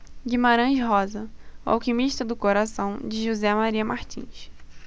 guimarães rosa o alquimista do coração de josé maria martins